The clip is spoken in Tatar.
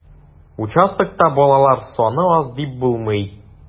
Участокта балалар саны аз дип булмый.